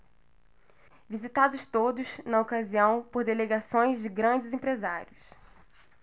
visitados todos na ocasião por delegações de grandes empresários